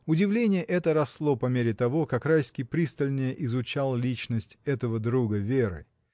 Удивление это росло по мере того, как Райский пристальнее изучал личность этого друга Веры.